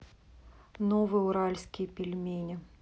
новые уральские пельмени